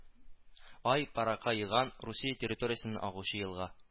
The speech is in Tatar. Ай-Парака-Еган Русия территориясеннән агучы елга